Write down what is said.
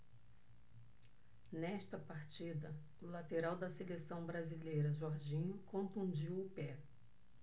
nesta partida o lateral da seleção brasileira jorginho contundiu o pé